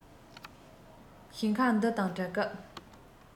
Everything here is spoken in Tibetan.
ཞིང ཁ འདི དང བྲལ སྐབས